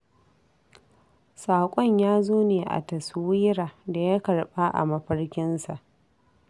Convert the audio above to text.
Saƙon ya zo ne a taswira da ya karɓa a mafarkinsa.